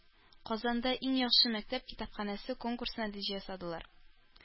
Казанда “Иң яхшы мәктәп китапханәсе” конкурсына нәтиҗә ясадылар